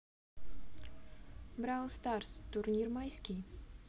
brawl stars турнир майский